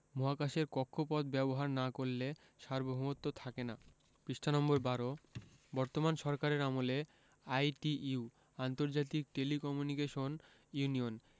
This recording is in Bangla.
মহাকাশের কক্ষপথ ব্যবহার না করলে সার্বভৌমত্ব থাকে না বর্তমান সরকারের আমলে আইটিইউ আন্তর্জাতিক টেলিকমিউনিকেশন ইউনিয়ন